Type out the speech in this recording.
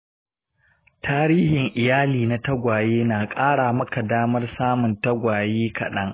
tarihin iyali na tagwaye na ƙara maka damar samun tagwaye kaɗan.